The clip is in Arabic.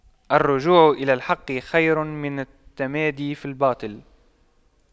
الرجوع إلى الحق خير من التمادي في الباطل